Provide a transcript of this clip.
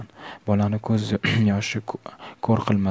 bolaning ko'zi yoshi ko'r qilmasa